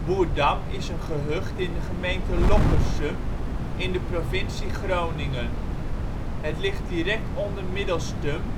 Boerdam is een gehucht in de gemeente Loppersum in de provincie Groningen. Het ligt direct onder Middelstum